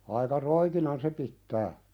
aika roikinan se pitää